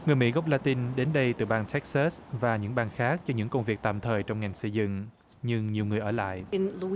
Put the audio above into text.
người mỹ gốc la tinh đến đây từ bang tếch sớt và những bang khác cho những công việc tạm thời trong ngành xây dựng nhưng nhiều người ở lại